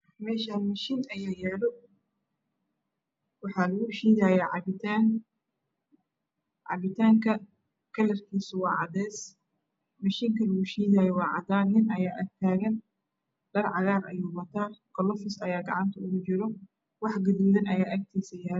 Meeshaan mishiin ayaa yaalo waxaa lugu shiidaya cabitaan. Cabitaanka kalarkiisu waa cadeys mishiinka waa cadaan. Nin ayaa agtaagan dhar cagaaran ayuu wataa galoofisna gacanta ayuu ku wataa. Wax gaduudan ayaa agtiisa yaala.